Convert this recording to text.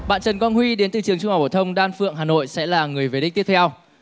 bạn trần quang huy đến từ trường trung học phổ thông đan phượng hà nội sẽ là người về đích tiếp theo